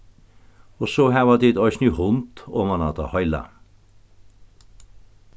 og so hava tit eisini hund omaná tað heila